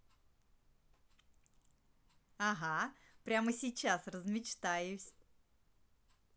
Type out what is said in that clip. ага прямо сейчас размечтаюсь